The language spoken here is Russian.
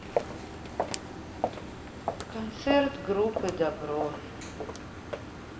концерт группы добро